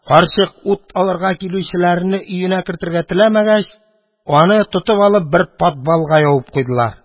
Карчык ут алырга килүчеләрне өенә кертергә теләмәгәч, аны, тотып, бер подвалга ябып куйдылар.